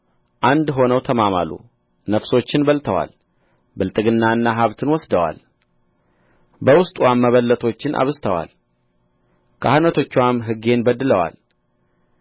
አንድ ሆነው ተማማሉ ነፍሶችን በልተዋል ብልጥግናና ሀብትን ወስደዋል በውስጥዋም መበለቶችን አብዝተዋል ካህናቶችዋም ሕጌን በድለዋል